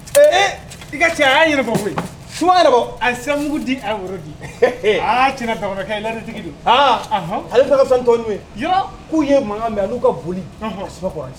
Ee i ka cɛ a y'a koyi su yɛrɛ a siraku di woro di ti damakɛ tigi don ale fula ka sanutɔn' ye k'u ye mankan min ani ka boli ayi